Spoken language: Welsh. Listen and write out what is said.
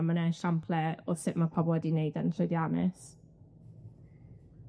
A ma' 'na esiample o sut ma' pobol wedi neud e'n llwyddiannus.